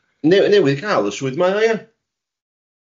New- newydd cael y swydd mae o, ia?